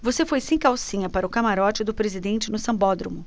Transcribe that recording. você foi sem calcinha para o camarote do presidente no sambódromo